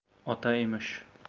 ota emish